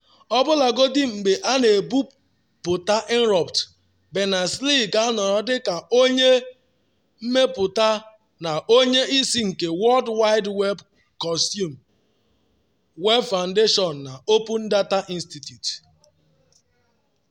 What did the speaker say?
Ọbulagodi mgbe a na-ebuputa Inrupt, Berners-Lee ga-anọrọ dịka onye Mmepụta na Onye Isi nke World Wide Web Consortuim, Web Foundation na Open Data Institute.